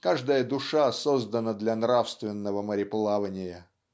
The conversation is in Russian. каждая душа создана для нравственного мореплавания.